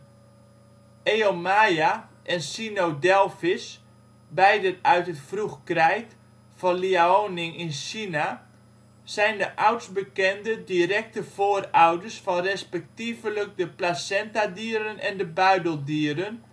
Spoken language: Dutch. Eomaia en Sinodelphys, beide uit het Vroeg-Krijt van Liaoning in China zijn de oudst bekende directe voorouders van respectievelijk de placentadieren en de buideldieren